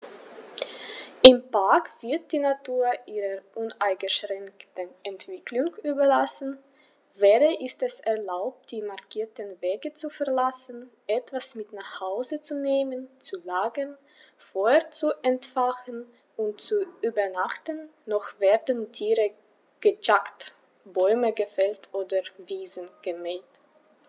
Im Park wird die Natur ihrer uneingeschränkten Entwicklung überlassen; weder ist es erlaubt, die markierten Wege zu verlassen, etwas mit nach Hause zu nehmen, zu lagern, Feuer zu entfachen und zu übernachten, noch werden Tiere gejagt, Bäume gefällt oder Wiesen gemäht.